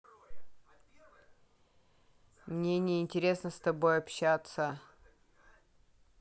но мне не интересно с тобой общаться